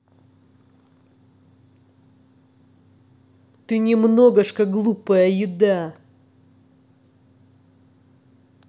ты немногожко глупая еда